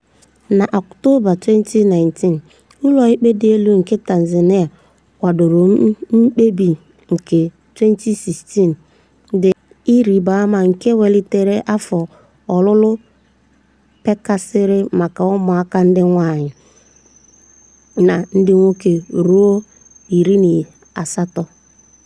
Na Ọktoba 2019, ụlọ ikpe dị elu nke Tanzania kwadoro mkpebi nke 2016 dị ịrịba ama nke welitere afọ ọlụlụ pekasịrị maka ụmụaka ndị nwaanyị na ndị nwoke ruo 18.